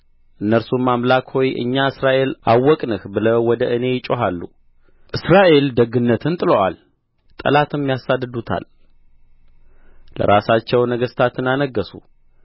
እነርሱም አምላክ ሆይ እኛ እስራኤል አወቅንህ ብለው ወደ እኔ ይጮኻሉ እስራኤል ደግነትን ጥሎአል ጠላትም ያሳድዱታል ለራሳቸው ነገሥታትን አነገሡ